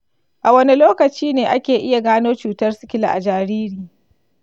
a wane lokaci ne ake iya gano cutar sikila a jariri?